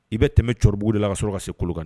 I bɛ tɛmɛ cɔrɔbugu de la ka sɔrɔ ka se Kololkani